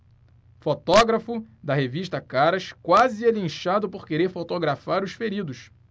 fotógrafo da revista caras quase é linchado por querer fotografar os feridos